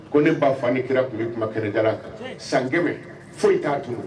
Ko ne ba fa ni kira tun bɛ kuma kɛnɛ da kan san kɛmɛmɛ foyi t'a kun